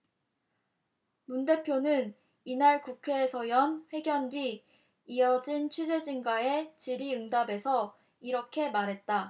문 대표는 이날 국회에서 연 회견 뒤 이어진 취재진과의 질의응답에서 이렇게 말했다